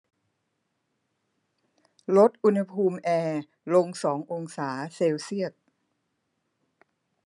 ลดอุณหภูมิแอร์ลงสององศาเซลเซียส